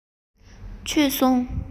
མཆོད སོང